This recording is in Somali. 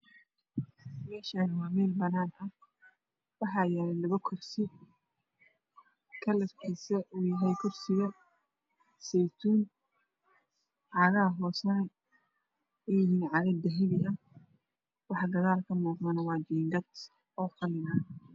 Halkan waa yalo kurasman kalar kode waa jale iyo seytuun